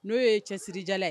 No ye cɛsirijala ye